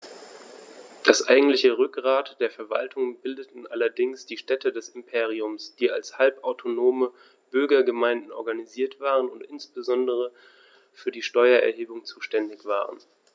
Das eigentliche Rückgrat der Verwaltung bildeten allerdings die Städte des Imperiums, die als halbautonome Bürgergemeinden organisiert waren und insbesondere für die Steuererhebung zuständig waren.